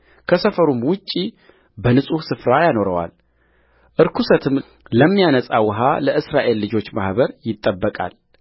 ከሰፈሩም ውጭ በንጹሕ ስፍራ ያኖረዋል ርኵሰትም ለሚያነጻ ውኃ ለእስራኤል ልጆች ማኅበር ይጠበቃል